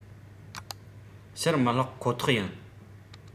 ཕྱིར མི བསློག ཁོ ཐག ཡིན